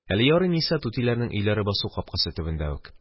Әле ярый Ниса түтиләрнең өйләре басу капкасы төбендә үк.